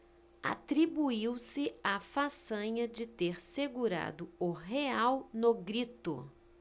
atribuiu-se a façanha de ter segurado o real no grito